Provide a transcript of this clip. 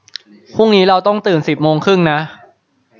พรุ่งนี้เราต้องตื่นสิบโมงครึ่งนะ